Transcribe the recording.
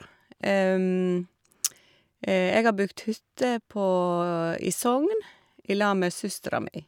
Jeg har bygget hytte på i Sogn i lag med søstera mi.